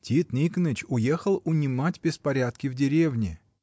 — Тит Никоныч уехал унимать беспорядки в деревне.